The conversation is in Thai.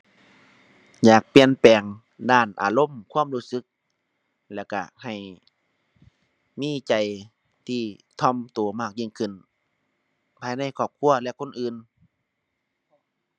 อยากเปลี่ยนแปลงด้านอารมณ์ความรู้สึก แล้วก็ให้มีใจที่ถ่อมก็มากยิ่งขึ้น ภายในครอบครัวและคนอื่น